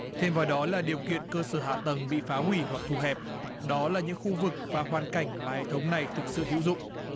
thêm vào đó là điều kiện cơ sở hạ tầng bị phá hủy hoặc thu hẹp đó là những khu vực và hoàn cảnh mà hệ thống này thực sự hữu dụng